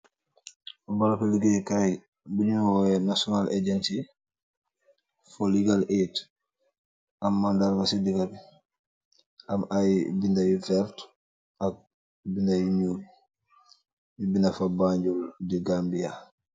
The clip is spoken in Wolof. Barabi ligeey kay biñoy óyeh National Agency for Legal Aid am mandarga ci digabi am ay bindayu vert ak bindé yu ñuul bindé fa Banjul The Gambia.